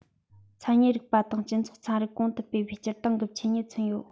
མཚན ཉིད རིག པ དང སྤྱི ཚོགས ཚན རིག གོང དུ འཕེལ བའི སྤྱིར བཏང གི ཆོས ཉིད མཚོན ཡོད